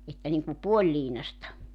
että niin kuin puoliliinaista